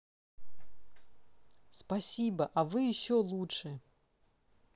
спасибо а вы еще лучше